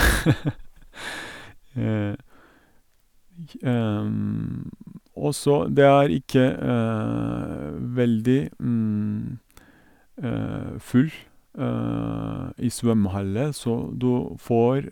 j Og så det er ikke veldig full i svømmehallen, så du får...